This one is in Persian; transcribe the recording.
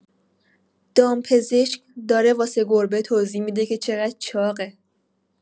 دامپزشک داره واسه گربه توضیح می‌ده که چقدر چاقه!